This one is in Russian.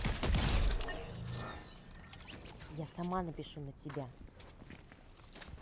я сама напишу на тебя